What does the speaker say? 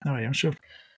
Na mae'n iawn siŵr.